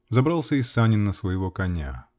Взобрался и Санин на своего коня